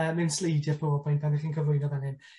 yy mewn sleidie pobol pwy pan 'ych chi'n cyflwyno fel hyn.